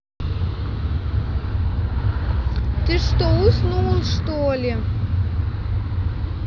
ты что уснул что ли